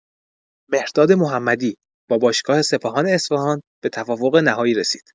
مهرداد محمدی با باشگاه سپاهان اصفهان به توافق نهایی رسید.